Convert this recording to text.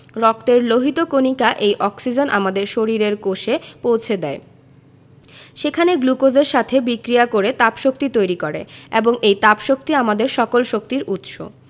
রক্তের লোহিত কণিকা এই অক্সিজেন আমাদের শরীরের কোষে পৌছে দেয় সেখানে গ্লুকোজের সাথে বিক্রিয়া করে তাপশক্তি তৈরি করে এবং এই তাপশক্তি আমাদের সকল শক্তির উৎস